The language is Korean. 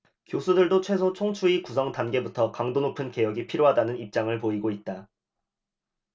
교수들도 최소 총추위 구성 단계부터 강도 높은 개혁이 필요하다는 입장을 보이고 있다